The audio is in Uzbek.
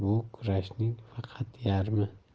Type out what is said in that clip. bu kurashning faqat yarmi